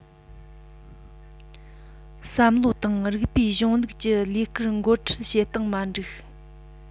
བསམ བློ དང རིགས པའི གཞུང ལུགས ཀྱི ལས ཀར འགོ ཁྲིད བྱེད སྟངས མ འགྲིགས